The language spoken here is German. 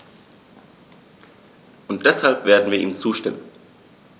Und deshalb werden wir ihm zustimmen.